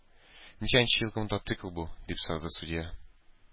Ничәнче елгы мотоцикл бу? – дип сорады судья.